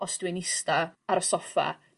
os dw i'n ista ar y soffa...